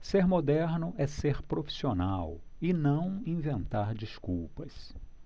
ser moderno é ser profissional e não inventar desculpas